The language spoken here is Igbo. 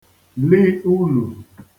li ulù